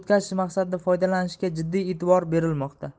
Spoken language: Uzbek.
o'tkazish maqsadida foydalanishga jiddiy e'tibor berilmoqda